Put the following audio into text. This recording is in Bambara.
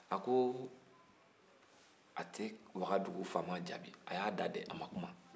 a ko a tɛ wagadu faama jaabi a y'a da den a ma kuma